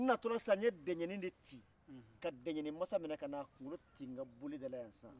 n na tɔ la sisan n ye dɛngɛni ci ka dɛngɛni mansa minɛ ka n'a kunkolo ci n ka boli da la yan sisan